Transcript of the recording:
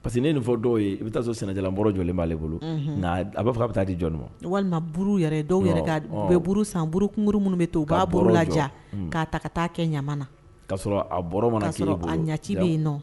Parce que ne nin fɔ dɔw ye i bɛ taa sɔrɔ sina jɔlen b'aale bolo a b'a fɔ bɛ taa di jɔn ma walimauru dɔw yɛrɛ bɛɛ buru sanurukuru minnu bɛ to'a la'a ta ka taa kɛ ɲamana' sɔrɔ a a ɲɛci bɛ yen nɔ